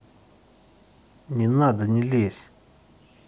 не надо не лезь